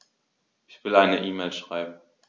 Ich will eine E-Mail schreiben.